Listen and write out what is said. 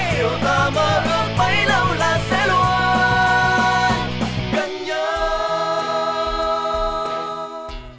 điều ta mơ ước bấy lâu là sẽ luôn gần nhau